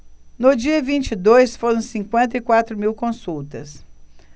no dia vinte e dois foram cinquenta e quatro mil consultas